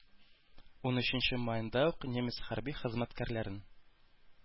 Унөченче маенда ук немец хәрби хезмәткәрләрен